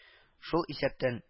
Шул исәптән